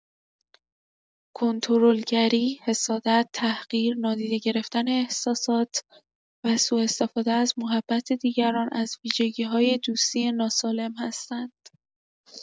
کنترل‌گری، حسادت، تحقیر، نادیده گرفتن احساسات و سوءاستفاده از محبت دیگران، از ویژگی‌های دوستی ناسالم هستند.